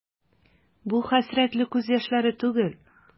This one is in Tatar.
Бу хәсрәтле күз яшьләре түгел.